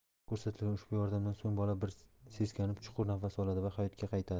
ko'rsatilgan ushbu yordamdan so'ng bola bir seskanib chuqur nafas oladi va hayotga qaytadi